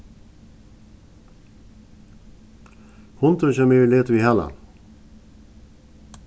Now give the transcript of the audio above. hundurin hjá mær letur við halanum